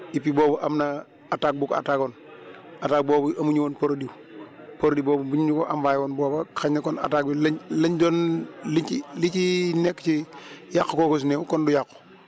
et puis boobu am na attaque bi ko attaque woon ataque boobu amuñu woon produit produit boobu buñ ñu ko envoyé woon booba xëy na kon attaque bi lañ lañ doon liñ ci liñ ci nekk ci yàqu kooku as néew ko du yàqu